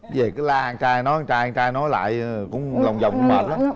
cái gì cứ la con trai nói con trai con trai nói lại ơ cũng lòng vòng cũng mệt lăm